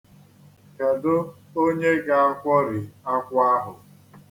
Kedu onye ga-akwọrị akwụ ahụ?